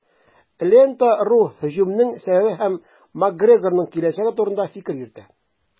"лента.ру" һөҗүмнең сәбәбе һәм макгрегорның киләчәге турында фикер йөртә.